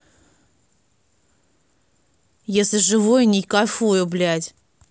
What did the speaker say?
если живой ней кайфую блядь